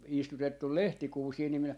istutettu lehtikuusia niin minä